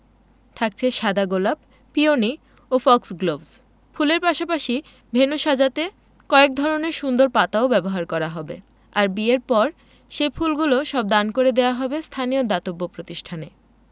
থাকছে সাদা গোলাপ পিওনি ও ফক্সগ্লোভস ফুলের পাশাপাশি ভেন্যু সাজাতে কয়েক ধরনের সুন্দর পাতাও ব্যবহার করা হবে আর বিয়ের পর সেই ফুলগুলো সব দান করে দেওয়া হবে স্থানীয় দাতব্য প্রতিষ্ঠানে